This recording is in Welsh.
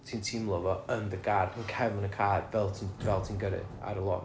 ti'n teimlo fo yn dy gar yn cefn y car fel ti'n fel ti'n gyrru ar y lôn.